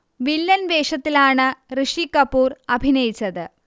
villain വേഷത്തിലാണ് ഋഷി കപൂർ അഭിനയിച്ചത്